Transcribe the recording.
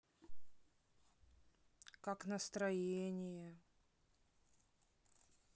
как настроение